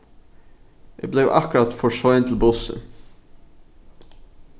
eg bleiv akkurát for sein til bussin